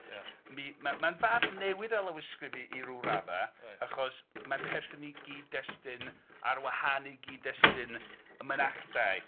Ia... Mi- ma- mae'n fath newydd o lawysgrif i ryw raddau achos mae'n perthyn i gyd-destun ar wahân i gyd-destun y mynachdai.